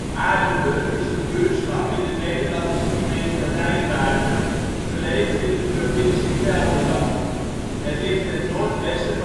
Aerdenburg is een buurtschap in de Nederlandse gemeente Rijnwaarden, gelegen in de provincie Gelderland. Het ligt ten noordwesten